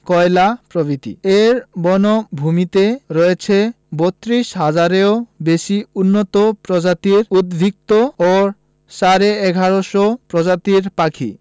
কয়লা প্রভৃতি এর বনভূমিতে রয়েছে ৩২ হাজারেরও বেশি উন্নত প্রজাতির উদ্ভিত ও সাড়ে ১১শ প্রজাতির পাখি